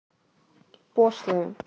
пошлые